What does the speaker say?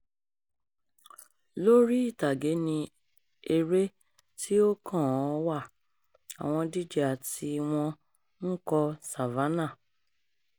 Lórí ìtàgé ni eré tí ó kàn-án wà, àwọn DJ àti wọn ń kọ "Savannah"